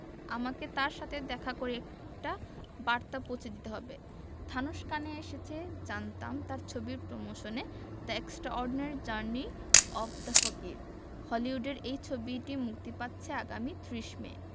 আমাকে তার সাথে দেখা করে একটি বার্তা পৌঁছে দিতে হবে ধানুশ কানে এসেছে জানতাম তার ছবির প্রমোশনে the extraordinary journey of the fakir হলিউডের এই ছবিটি মুক্তি পাচ্ছে আগামী ৩০ মে